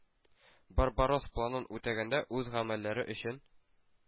“барбаросс” планын үтәгәндә үз гамәлләре өчен